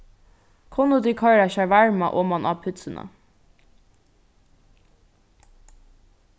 kunnu tit koyra shawarma oman á pitsuna